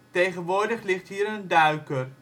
Tegenwoordig ligt hier een duiker